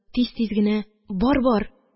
Тиз-тиз генә: – бар, бар,